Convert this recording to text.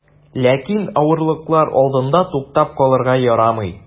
Ләкин авырлыклар алдында туктап калырга ярамый.